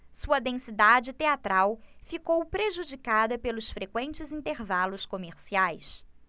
sua densidade teatral ficou prejudicada pelos frequentes intervalos comerciais